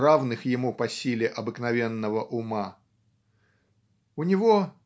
равных ему по силе обыкновенного ума. У него